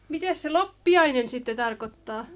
mitäs se loppiainen sitten tarkoittaa